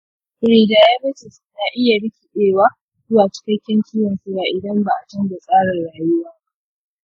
prediabetes na iya rikidewa zuwa cikakken ciwon suga idan ba a canza tsarin rayuwa ba.